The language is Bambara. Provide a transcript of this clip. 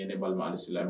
Ne' a silamɛ